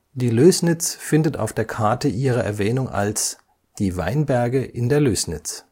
Die Lößnitz findet auf der Karte ihre Erwähnung als „ Die weinberge in der Lösnitz